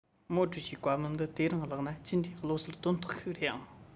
མའོ ཀྲུའུ ཞིའི བཀའ མོལ འདི དེ རིང བཀླགས ན ཅི འདྲའི བློ གསལ དོན རྟོགས ཤིག རེད ཨང